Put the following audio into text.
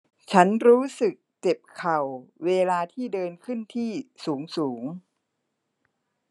ฉันรู้สึกเจ็บเข่าเวลาที่เดินขึ้นที่สูงสูง